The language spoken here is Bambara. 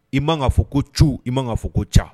I b ma'a fɔ ko ci i b ma'a fɔ ko ca